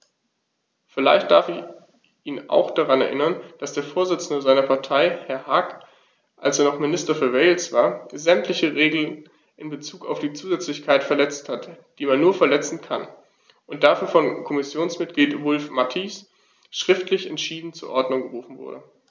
Vielleicht darf ich ihn auch daran erinnern, dass der Vorsitzende seiner Partei, Herr Hague, als er noch Minister für Wales war, sämtliche Regeln in Bezug auf die Zusätzlichkeit verletzt hat, die man nur verletzen kann, und dafür von Kommissionsmitglied Wulf-Mathies schriftlich entschieden zur Ordnung gerufen wurde.